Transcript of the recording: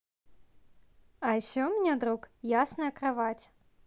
а вот еще у меня друг ясная кровать